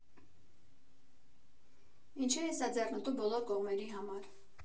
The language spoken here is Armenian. Ինչու է սա ձեռնտու բոլոր կողմերի համար։